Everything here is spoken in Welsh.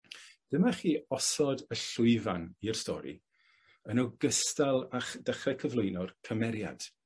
Dyma chi osod y llwyfan i'r stori yn ogystal â ch- dechre cyflwyno'r cymeriad.